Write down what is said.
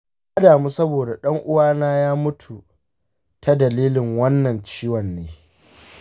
na damu saboda dan'uwa na ya mutu ta dalilin wannan ciwon ne.